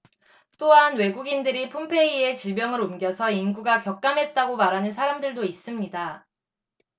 또한 외국인들이 폰페이에 질병을 옮겨서 인구가 격감했다고 말하는 사람들도 있습니다